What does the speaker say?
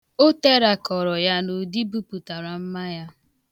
O terakọrọ ya n'ụdị buputara mma ya.